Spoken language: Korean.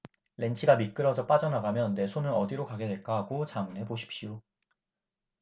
렌치가 미끄러져 빠져나가면 내 손은 어디로 가게 될까 하고 자문해 보십시오